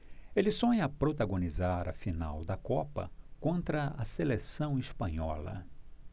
ele sonha protagonizar a final da copa contra a seleção espanhola